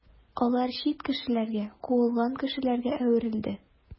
Алар чит кешеләргә, куылган кешеләргә әверелде.